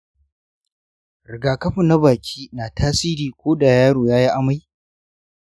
rigakafi na baki na tasiri ko da yaro ya yi amai?